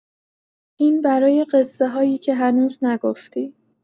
این برای قصه‌هایی که هنوز نگفتی.